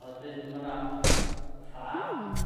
A 'dyn ma' 'na by- ffa,